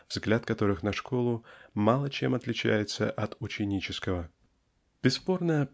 взгляд которых на школу мало чем отличается от ученического. Бесспорно